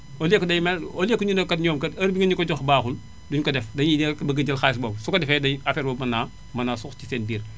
au lieu que day mel ne au lieu que ñu ne kat ñoom kat heure bi ngeen ñu ko jox baaxul duñu ko def dañuy ñëw rekk bëgg a jël xaalis boobu su ko defee day affaire boobu mën naa mën naa suux seen biir